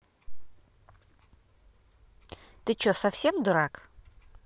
ты че совсем дурак